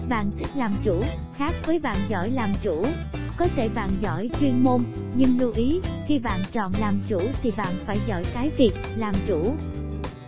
bạn thích làm chủ khác với bạn giỏi làm chủ có thể bạn giỏi chuyên môn nhưng lưu ý khi bạn chọn làm chủ thì bản phải giỏi cái việc làm chủ